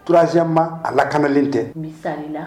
Urazsan ma a lakanalen tɛ